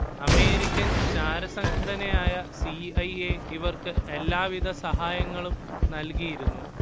American ചാരസംഘടനയായ C I A ഇവർക്ക് എല്ലാവിധ സഹായങ്ങളും നൽകിയിരുന്നു